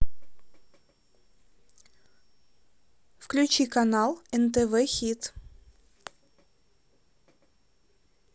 включи канал нтв хит